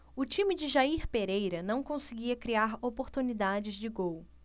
o time de jair pereira não conseguia criar oportunidades de gol